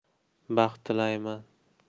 baxt tilayman